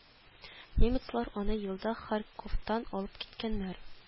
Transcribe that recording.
Немецлар аны елда харьковтан алып киткәннәр